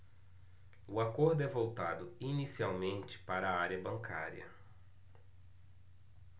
o acordo é voltado inicialmente para a área bancária